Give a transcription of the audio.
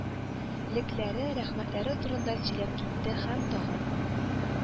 Лекләре, рәхмәтләре турында сөйләп китте һәм тагын